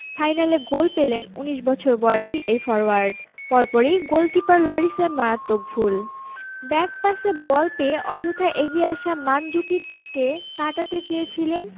ফাইনালে গোল পেলেন ১৯ বছর বয়সী এই ফরোয়ার্ড পরপরই গোলকিপার লরিসের মারাত্মক ভুল ব্যাকপাসে বল পেয়ে অযথা এগিয়ে আসা মানজুকিচকে কাটাতে চেয়েছিলেন